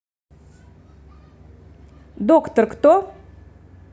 доктор кто